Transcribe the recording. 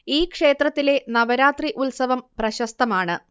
ഈ ക്ഷേത്രത്തിലെ നവരാത്രി ഉത്സവം പ്രശസ്തമാണ്